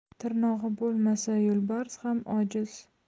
tirnog'i bo'lmasa yo'lbars ham ojiz